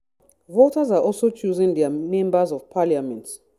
Voters are also choosing their members of parliament.